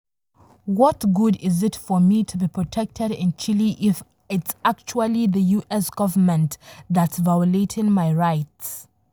What good is it for me to be protected in Chile if it's actually the US government that's violating my rights?